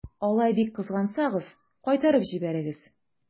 Алай бик кызгансагыз, кайтарып җибәрегез.